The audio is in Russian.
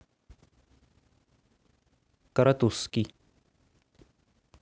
каратузский